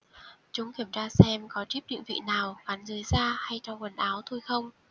chúng kiểm tra xem có chíp định vị nào gắn dưới da hay trong quần áo tôi không